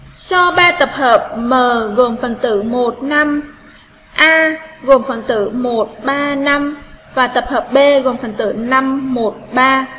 cho tập hợp m gồm phần tử a gồm phần tử và tập hợp b gồm phần tử